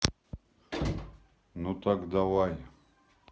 ну так давай